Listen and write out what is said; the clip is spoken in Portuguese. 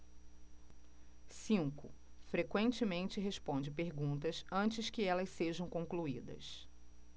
cinco frequentemente responde perguntas antes que elas sejam concluídas